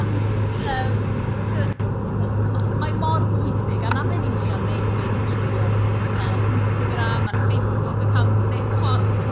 Ond, yym timod, ma' ma' mae mor bwysig. A 'na be ni'n treial wneud 'fyd trwy ein yy Instagram a'n Facebook accounts neu chimod.